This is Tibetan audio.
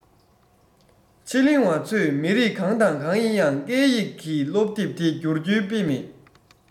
ཕྱི གླིང བ ཚོས མི རིགས གང དང གང ཡིན ཡང སྐད ཡིག གི སློབ དེབ དེ བསྒྱུར རྒྱུའི དཔེ མེད